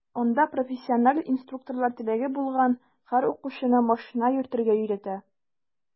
Анда профессиональ инструкторлар теләге булган һәр укучыны машина йөртергә өйрәтә.